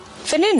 Fyn 'yn?